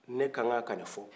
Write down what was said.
ne kan ka ka ni fɔ